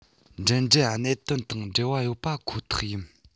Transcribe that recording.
འགྲིམ འགྲུལ གནད དོན དང འབྲེལ བ ཡོད པ ཁོ ཐག ཡིན